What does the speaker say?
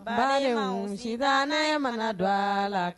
Ba si ne mana dɔgɔ la